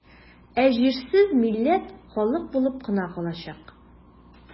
Ә җирсез милләт халык булып кына калачак.